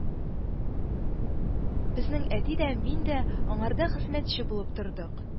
Безнең әти дә, мин дә аңарда хезмәтче булып тордык